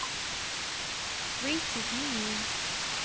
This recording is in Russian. выйти в меню